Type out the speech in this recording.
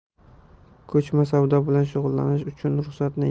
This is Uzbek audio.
ko'chma savdo bilan shug'ullanish uchun ruxsatni